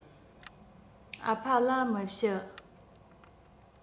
ཨ ཕ ལ མི བཤད